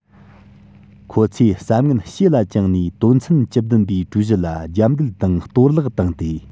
ཁོ ཚོས བསམ ངན ཞེ ལ བཅངས ནས དོན ཚན བཅུ བདུན པའི གྲོས གཞི ལ རྒྱབ འགལ དང གཏོར བརླག བཏང ཏེ